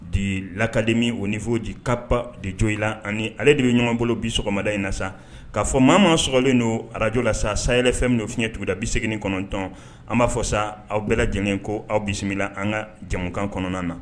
De lakadimi o fɔ nci kap de cogo i la ani ale de bɛ ɲɔgɔnbolo bi sɔgɔmada in na sa k'a fɔ maa ma slen don ararajo la sa say fɛn min fiɲɛɲɛ tuguda bi segingin kɔnɔntɔn an b'a fɔ sa aw bɛɛ lajɛlen in ko aw bisimila an ka jamanakan kɔnɔna na